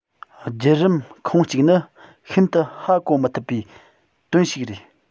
རྒྱུད རིམ ཁུངས གཅིག ནི ཤིན ཏུ ཧ གོ མི ཐུབ པའི དོན ཞིག རེད